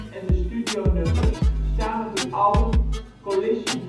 en de studionummers staan op het album Collision